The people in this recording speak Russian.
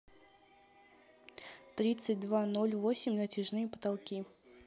тридцать два ноль восемь натяжные потолки